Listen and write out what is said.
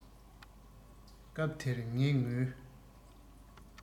སྐབས དེར ངའི ངོས